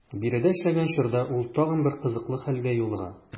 Биредә эшләгән чорда ул тагын бер кызыклы хәлгә юлыга.